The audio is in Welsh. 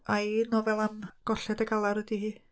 Ai nofel am golled a galar ydi hi?